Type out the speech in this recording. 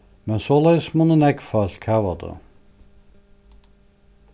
men soleiðis munnu nógv fólk hava tað